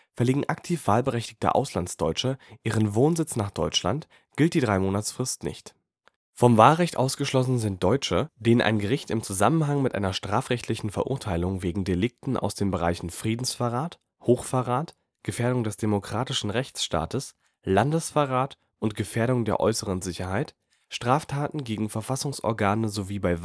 Verlegen aktiv wahlberechtigte Auslandsdeutsche ihren Wohnsitz nach Deutschland, gilt die Dreimonatsfrist nicht. Vom Wahlrecht ausgeschlossen sind Deutsche, denen ein Gericht im Zusammenhang mit einer strafrechtlichen Verurteilung wegen Delikten aus den Bereichen Friedensverrat, Hochverrat, Gefährdung des demokratischen Rechtsstaates, Landesverrat und Gefährdung der äußeren Sicherheit, Straftaten gegen Verfassungsorgane sowie bei